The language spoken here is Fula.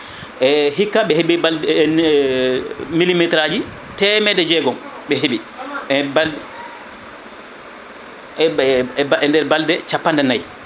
e hikka ɓe heeɓi balɗe millimétre aji temedde jeegom ɓe heeɓi balɗe capanɗe naayyi